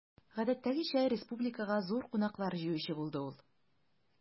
Гадәттәгечә, республикага зур кунаклар җыючы булды ул.